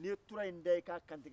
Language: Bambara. n'i ye tura in da k'a kantigɛ